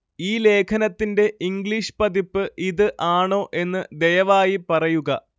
ഈ ലേഖനത്തിന്റെ ഇംഗ്ലീഷ് പതിപ്പ് ഇത് ആണോ എന്ന് ദയവായി പറയുക